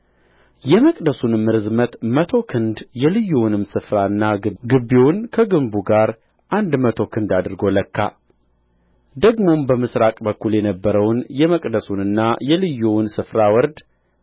የመቅደሱንም ርዝመት መቶ ክንድ የልዩውን ስፍራና ግቢውን ከግንቡ ጋር አንድ መቶ ክንድ አድርጎ ለካ ደግሞም በምሥራቅ በኩል የነበረውን የመቅደሱንና የልዩውን ስፍራ ወርድ